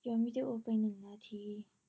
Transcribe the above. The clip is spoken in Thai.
ย้อนวีดีโอไปหนึ่งนาที